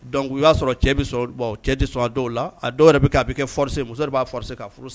Dɔnku o y'a sɔrɔ cɛ cɛ di sɔn a dɔw la dɔw yɛrɛ bɛ'a bɛ kɛ muso b'a